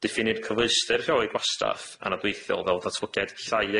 Diffini'r cyfleusterrheoli gwastaff anadwythiol fel datblygiad llai